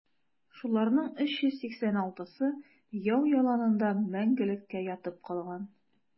Шуларның 386-сы яу яланында мәңгелеккә ятып калган.